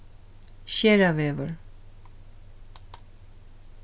skeravegur